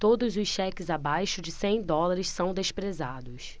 todos os cheques abaixo de cem dólares são desprezados